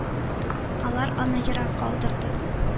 Алар аны ерак калдырды.